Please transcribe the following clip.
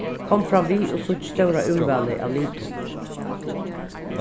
kom framvið og síggj stóra úrvalið av litum